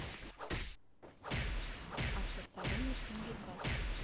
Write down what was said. автосалоны синдиката